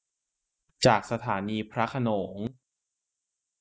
จากสถานีพระโขนง